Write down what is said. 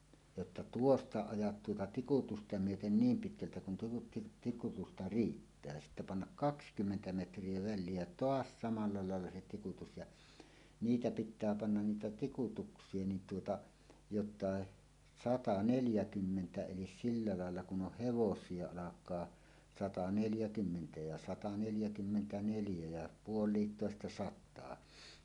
jotta tuosta ajat tuota tikutusta myöten niin pitkältä kun tuota tikutusta riittää sitten panna kaksikymmentä metriä väliä ja taas samalla lailla se tikutus ja niitä pitää panna niitä tikutuksia niin tuota jotta sata neljäkymmentä eli sillä lailla kun on hevosia alkaa sata neljäkymmentä ja sata neljäkymmentäneljä ja puolikintoista sataa